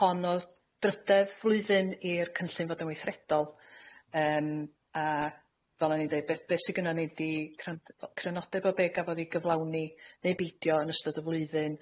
Hon o'dd drydedd flwyddyn i'r cynllun fod yn weithredol, yym a fel o'n i'n deud, be- be' sy gynnon ni 'di cryn- crynodeb o be' gafodd i gyflawni neu beidio yn ystod y flwyddyn